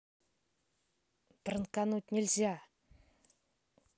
пранкануть нельзя